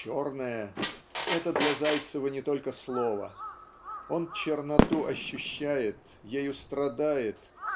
"Черное" - это для Зайцева не только слово он черноту ощущает ею страдает